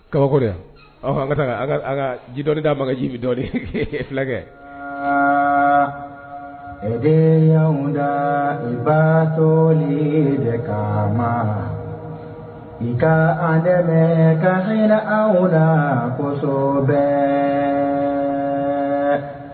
Kabako dɛ aw an ka taa ka ji dɔ dabaga jibi dɔ de fulakɛ aa denya kunda batɔ le de ka ma nka an dɛmɛ ka jira an kunda koso bɛ